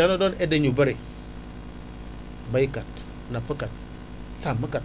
dana doon aider ñu bëri béykat nappkat sàmmkat